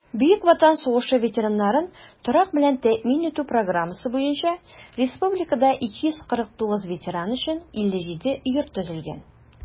Бөек Ватан сугышы ветераннарын торак белән тәэмин итү программасы буенча республикада 249 ветеран өчен 57 йорт төзелгән.